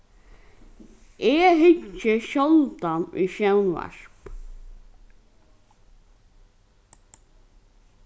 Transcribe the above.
eg hyggi sjáldan í sjónvarp